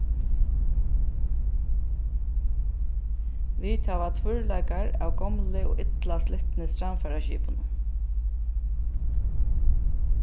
vit hava tvørleikar av gomlu og illa slitnu strandfaraskipunum